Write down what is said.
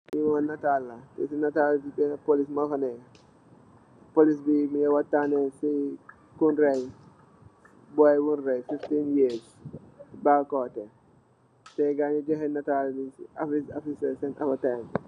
Li momm netal la netal bi bena police mofa neka police bi mogeh wahataneh si kung raay boy bung raay fifteen years bakoteh teh gaay johex netal bi si Africell sen advertise bi.